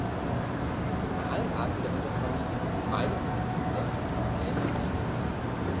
Wie bei allen Arten der Unterfamilie sind die Beine bis zu den sehr kräftigen gelben Zehen befiedert.